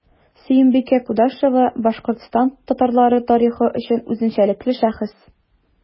Сөембикә Кудашева – Башкортстан татарлары тарихы өчен үзенчәлекле шәхес.